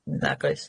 Nag oes.